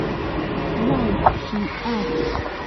Why? she asked.